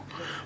dëgg la